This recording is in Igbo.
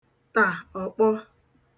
tà ọ̀kpọ